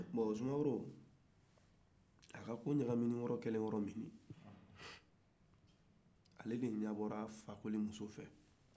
bon sumaworo ka kow ɲagamin yɔrɔ kɛra yɔrɔ nin ye ale de ɲɛbɔra fakoli muso fɛ